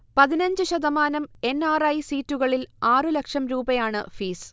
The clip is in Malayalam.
പതിനഞ്ച് ശതമാനം എൻ. ആർ. ഐ സീറ്റുകളിൽ ആറ് ലക്ഷം രൂപയാണ് ഫീസ്